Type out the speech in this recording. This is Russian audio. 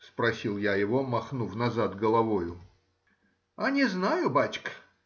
— спросил я его, махнув назад головою. — А не знаю, бачка.